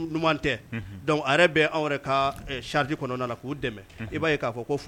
Dɛmɛa k'a fɔ ko